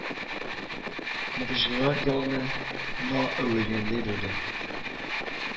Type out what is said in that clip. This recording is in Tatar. Могҗизалар яланы на әверелгәндәй булды